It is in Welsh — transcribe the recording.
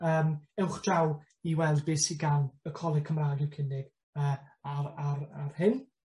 yym ewch draw i weld be' sy gan y Coleg Cymra'g i'w cynnig yy ar ar ar hyn.